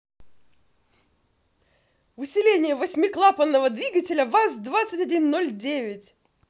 усиление восьмиклапанного двигателя ваз двадцать один ноль девять